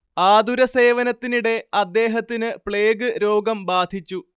ആതുരസേവനത്തിനിടെ അദ്ദേഹത്തിന് പ്ലേഗ് രോഗം ബാധിച്ചു